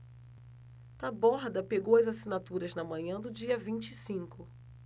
taborda pegou as assinaturas na manhã do dia vinte e cinco